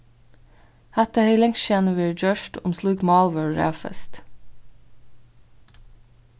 hatta hevði langt síðani verið gjørt um slík mál vórðu raðfest